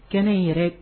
Kɛnɛ yɛrɛ